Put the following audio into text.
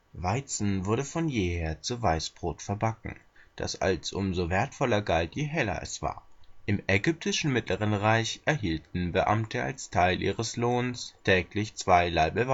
Weizen wurde von jeher zu Weißbrot verbacken, das als umso wertvoller galt, je heller es war. Im ägyptischen Mittleren Reich erhielten Beamte als Teil ihres Lohns täglich zwei Laibe